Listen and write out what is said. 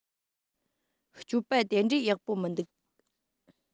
སྤྱོད པ དེ འདྲའི ཡག པོ མི འདུག